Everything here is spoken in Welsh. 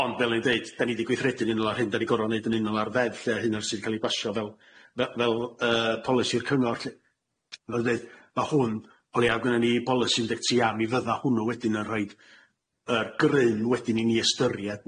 Ond fel o'n i'n deud dan ni di gweithredu'n unol ar hyn dan ni gor'o' neud yn unol ar ddeddf lly a hynna sydd ca'l ei basio fel fe- fel yy polisi'r cyngor lly fel o'n i'n deud ma' hwn o'n i argynno ni i bolisi un deg tri a mi fydda hwnnw wedyn yn rhoid yr gryn wedyn i ni ystyried